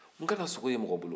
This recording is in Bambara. n kana sogo ye mɔgɔ bolo